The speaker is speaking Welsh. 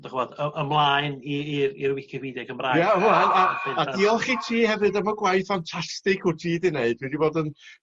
'dych'mod y- ymlaen i i'r i'r wicipedia Cymrag... Ie we- a a a diolch i ti hefyd am y gwaith ffantastig wt ti 'di neud dwi 'di bod yn